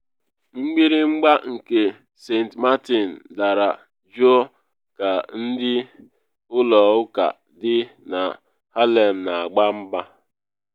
Mgbịrịmgba nke St. Martin Dara Jụụ ka Ndị Ụlọ Ụka dị na Harlem Na Agba Mba